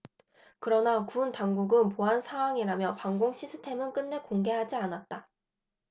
그러나 군 당국은 보안사항이라며 방공 시스템은 끝내 공개하지 않았다